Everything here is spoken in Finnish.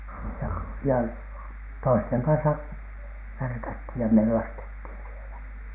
ja ja toisten kanssa värkättiin ja mellastettiin siellä